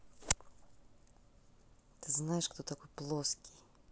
ты знаешь кто такой то плоский